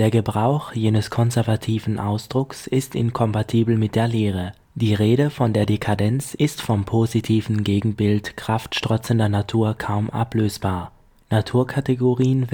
Gebrauch jenes konservativen Ausdrucks ist inkompatibel mit der Lehre […] Die Rede von der Dekadenz ist vom positivem Gegenbild kraftstrotzender Natur kaum ablösbar, Naturkategorien